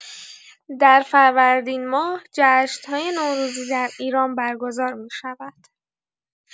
در فروردین‌ماه جشن‌های نوروزی در ایران برگزار می‌شود.